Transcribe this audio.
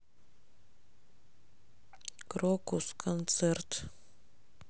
крокус концерт